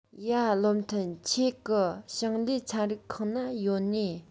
ཡ བློ མཐུན ཁྱེད གེ ཞིང ལས ཚན རིག ཁང ན ཡོད ནིས